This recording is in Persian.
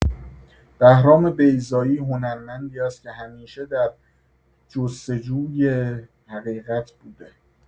بهرام بیضایی هنرمندی است که همیشه در جستجوی حقیقت بوده.